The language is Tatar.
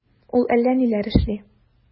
Ул әллә ниләр эшли...